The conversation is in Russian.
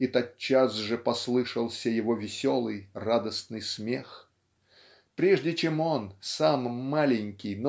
и тотчас же послышался его веселый радостный смех. Прежде чем он сам маленький